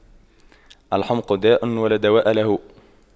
الحُمْقُ داء ولا دواء له